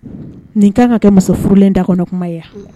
Nin ka kan ka kɛ musof furulen da kɔnɔ kuma yan